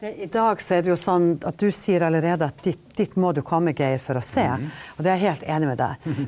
det i dag så er det jo sånn at du sier allerede at dit dit må du komme, Geir, for å se, og det er jeg helt enig med deg.